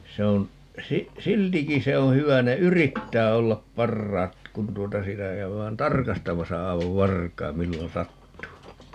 se on - siltikin se on hyvä ne yrittää olla parhaat kun tuota sitä käydään tarkastamassa aivan varkain milloin sattuu